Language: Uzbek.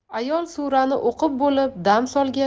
ayol surani o'qib bo'lib dam solgach